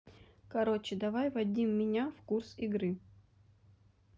короче давай вадим меня в курс игры